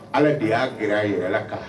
Ala de y'a gɛlɛya yɛrɛ kan